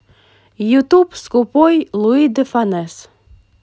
ютуб скупой луи де фюнес